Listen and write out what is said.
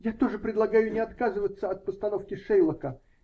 -- Я тоже предлагаю не отказываться от постановки "Шейлока".